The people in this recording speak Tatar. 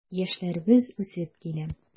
Яшьләребез үсеп килә.